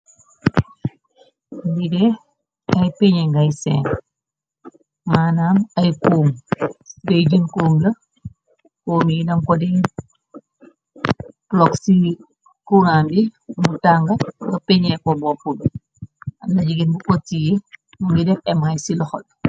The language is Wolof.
Ligge ay peñe ngay sen, manam aygëy jën kun la koomiyi, nam ko de plox ci kuram bi, mu tànga nga peñee ko bopp bi, amna jigéen bu poti yi mu ngi def mi ci loxol.